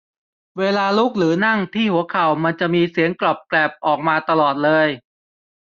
เวลาลุกหรือนั่งที่หัวเข่ามันจะมีเสียงกรอบแกรบออกมาตลอดเลย